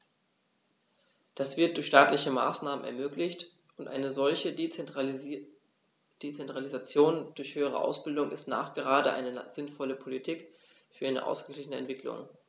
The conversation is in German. Das wird durch staatliche Maßnahmen ermöglicht, und eine solche Dezentralisation der höheren Ausbildung ist nachgerade eine sinnvolle Politik für eine ausgeglichene Entwicklung.